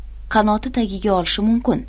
qanoti tagiga olishi mumkin